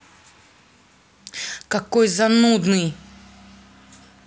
какой занудный